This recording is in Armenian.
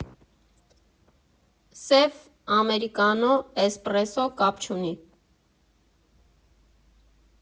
Սև, ամերիկանո, էսպրեսո՝ կապ չունի։